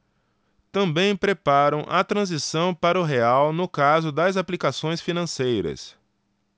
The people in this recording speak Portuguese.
também preparam a transição para o real no caso das aplicações financeiras